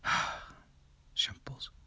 Shambles.